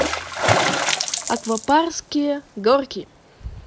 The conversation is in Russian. аквапарковские горки